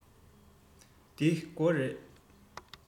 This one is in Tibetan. འདི སྒོ རེད